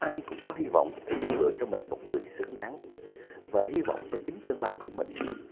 ai cũng có hy vọng để chọn lựa cho mình một người xứng đáng và hy vọng cho chính tương lai của mình